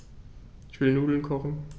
Ich will Nudeln kochen.